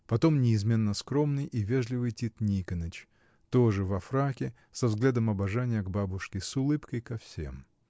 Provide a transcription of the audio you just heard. Потом неизменно скромный и вежливый Тит Никоныч, тоже во фраке, со взглядом обожания к бабушке, с улыбкой ко всем